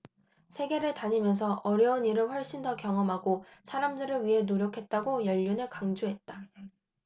세계를 다니면서 어려운 일을 훨씬 더 경험하고 사람들을 위해 노력했다고 연륜을 강조했다